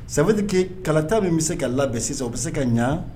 :Ça veut dire que _ kalata min bɛ se ka labɛn sisan, o bɛ se ka ɲɛ